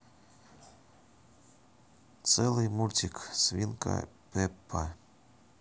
целый мультик свинка пеппа